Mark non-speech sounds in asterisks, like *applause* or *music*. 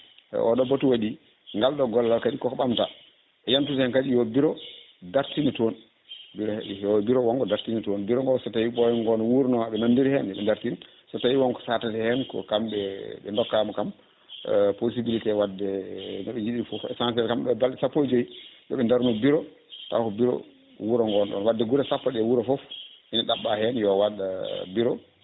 oɗo baatu waaɗi nagl ɗo gollal kadi koko ɓamta e yantude hen kadi yo bureau dartine toon bureau yo bureau wongo dartine toon bureau so tawi boom goon wuuro noon eɓe nandiri hen ne ɓe dartina so tawi wonko satata hen ko kamɓe ɓe dokkama kam *hesitation* possibilté wadde noɓe jiiɗiri foof essentiel ɗo e balɗe sappo e joyyi yooɓe darnu bureau taw ko bureau wuuro ngoon ɗon wadde guure sappo ɗe wuuro foof ene ɗaɓɓa hen yo waat bureau